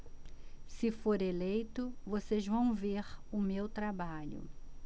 se for eleito vocês vão ver o meu trabalho